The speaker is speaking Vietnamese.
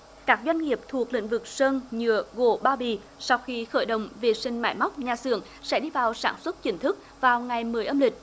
các doanh nghiệp thuộc lĩnh vực sân nhựa gỗ bao bì sau khi khởi động vệ sinh máy móc nhà xưởng sẽ đi vào sản xuất chính thức vào ngày mười âm lịch